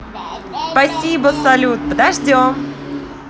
спасибо салют подождем